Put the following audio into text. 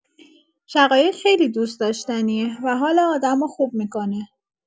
شقایق خیلی دوست داشتنیه و حال آدمو خوب می‌کنه.